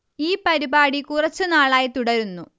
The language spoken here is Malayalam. ഈ പരിപാടി കുറച്ചു നാളായ് തുടരുന്നു